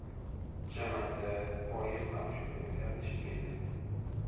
chamamda oyim ham shuni o'ylardi shekilli